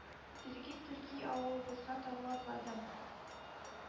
Тирги-тирги авылыбызга таба атладым.